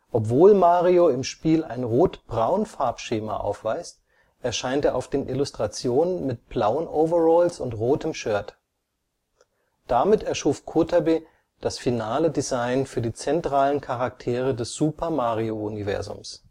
Obwohl Mario im Spiel ein rot-braun-Farbschema aufweist, erscheint er auf den Illustrationen mit blauen Overalls und rotem Shirt. Damit erschuf Kotabe das finale Design für die zentralen Charaktere des Super-Mario-Universums